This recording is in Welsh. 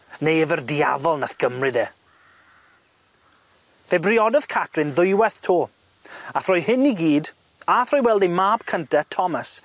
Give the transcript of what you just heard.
Neu yfe'r diafol nath gymryd e? Fe briododd Catrin ddwyweth 'to a thrwy hyn i gyd, a thrwy weld ei mab cynta, Thomas